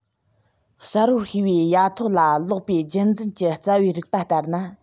གསལ པོར ཤེས པའི ཡ ཐོག ལ ལོག པའི རྒྱུད འཛིན གྱི རྩ བའི རིགས པ ལྟར ན